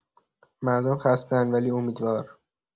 مردم خسته‌ان ولی امیدوار.